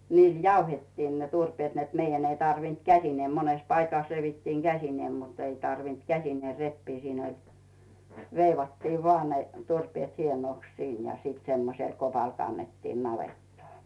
niillä jauhettiin ne turpeet että meidän ei tarvinnut käsineen monessa paikassa revittiin käsin mutta ei tarvinnut käsineen repiä siinä oli veivattiin vain ne turpeet hienoksi siinä ja semmoisella kopalla kannettiin navettaan